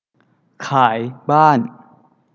ขายบ้าน